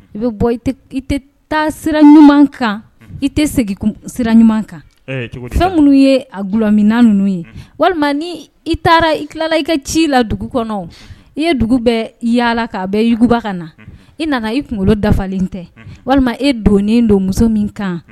I bɛ bɔ i tɛ taa sira ɲuman kan i tɛ segin sira ɲuman kan fɛn minnu ye a gololɔmin ninnu ye walima ni i taara i tilala i ka ci la dugu kɔnɔ i ye dugu bɛɛ yaala'a bɛuguba ka na i nana i kunkolo dafalen tɛ walima e donnen don muso min kan